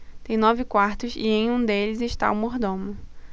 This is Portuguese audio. tem nove quartos e em um deles está o mordomo